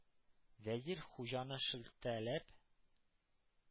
Вәзир, Хуҗаны шелтәләп: